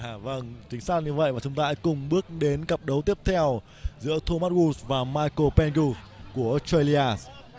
à vâng chính xác như vậy và chúng ta cùng bước đến cặp đấu tiếp theo giữa thô mát gu và mai cồ ben đu của ốt trây li a